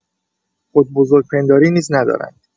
خودبزرگ‌پنداری نیز ندارند.